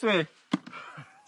Dw i.